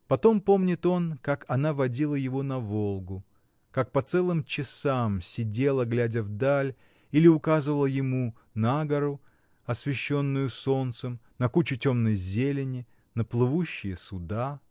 Потом помнит он, как она водила его на Волгу, как по целым часам сидела, глядя вдаль, или указывала ему на гору, освещенную солнцем, на кучу темной зелени, на плывущие суда.